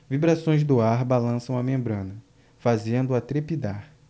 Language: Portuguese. vibrações do ar balançam a membrana fazendo-a trepidar